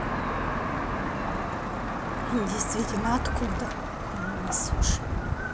действительно откуда хуйню несешь